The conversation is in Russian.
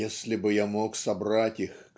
"Если бы я мог собрать их